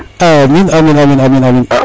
amiin amiin amiin